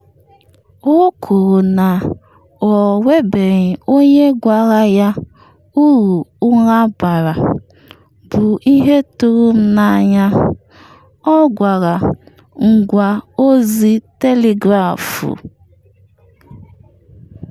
O kwuru na ọ nwebeghị onye gwara ya uru ụra bara- bụ ihe tụrụ m n’anya.’ ọ gwara The Telegraph.